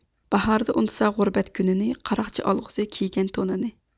باھاردا ئۇنتۇسا غۇربەت كۈنىنى قاراقچى ئالغۈسى كىيگەن تونىنى